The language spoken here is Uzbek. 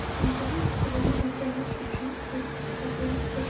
ingliz tilini o'rganish uchun qaysi kitoblar kerak